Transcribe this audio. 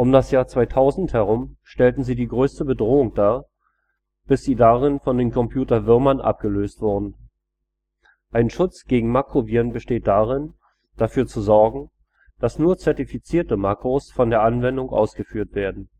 das Jahr 2000 herum stellten sie die größte Bedrohung dar, bis sie darin von den Computerwürmern abgelöst wurden. Ein Schutz gegen Makroviren besteht darin, dafür zu sorgen, dass nur zertifizierte Makros von der Anwendung ausgeführt werden